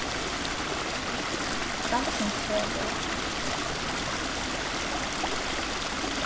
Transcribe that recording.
dalkinsvegur